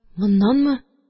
Моннанмы?